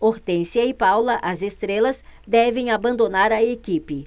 hortência e paula as estrelas devem abandonar a equipe